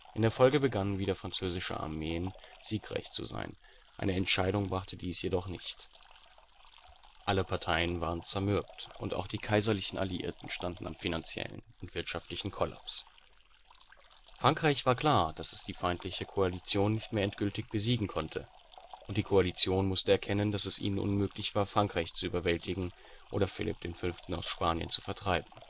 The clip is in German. In der Folge begannen wieder französische Armeen siegreich zu sein, eine Entscheidung brachte dies jedoch nicht. Alle Parteien waren zermürbt und auch die kaiserlichen Alliierten standen am finanziellen und wirtschaftlichen Kollaps. Frankreich war klar, dass es die feindliche Koalition nicht mehr endgültig besiegen konnte und die Koalition musste erkennen, dass es ihnen unmöglich war, Frankreich zu überwältigen oder Philipp V. aus Spanien zu vertreiben